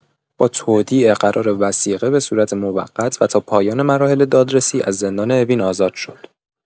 با تودیع قرار وثیقه به صورت موقت و تا پایان مراحل دادرسی از زندان اوین آزاد شد.